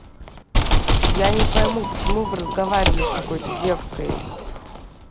я не пойму почему вы разговаривали с какой то девкой